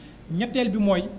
ñetteel bi mooy